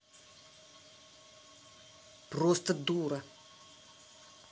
просто дура